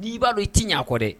N'i b'a dɔn ye tɛi ɲɛ kɔ dɛ